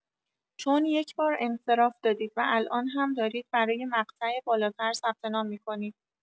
چون یکبار انصراف دادید و الان هم دارید برای مقطع بالاتر ثبت‌نام می‌کنید